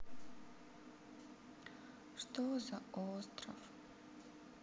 что за остров